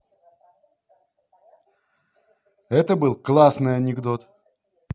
это был классный анекдот